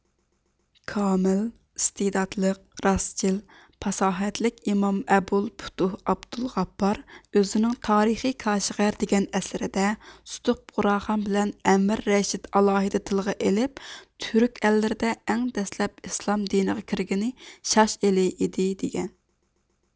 كامىل ئىستېداتلىق راستچىل پاساھەتلىك ئىمام ئەبۇل پۇتۇھ ئابدۇل غاپپار ئۆزىنىڭ تارىخى كاشىغەر دېگەن ئەسىرىدە سۇتۇق بۇغراخان بىلەن ئەمىر رەشىد ئالاھىدە تىلغا ئېلىپ تۈرك ئەللىرىدە ئەڭ دەسلەپ ئىسلام دىنىغا كىرگىنى شاش ئېلى ئىدى دېگەن